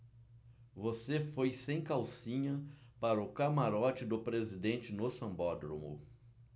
você foi sem calcinha para o camarote do presidente no sambódromo